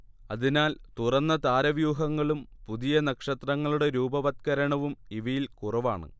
അതിനാൽ തുറന്ന താരവ്യൂഹങ്ങളും പുതിയ നക്ഷത്രങ്ങളുടെ രൂപവത്കരണവും ഇവയിൽ കുറവാണ്